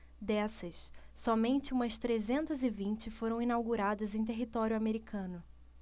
dessas somente umas trezentas e vinte foram inauguradas em território americano